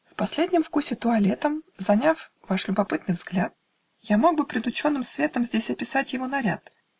В последнем вкусе туалетом Заняв ваш любопытный взгляд, Я мог бы пред ученым светом Здесь описать его наряд